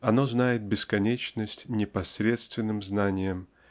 оно знает бесконечность непосредственным знанием